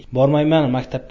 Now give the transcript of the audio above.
bormayman maktabga